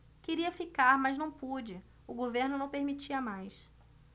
queria ficar mas não pude o governo não permitia mais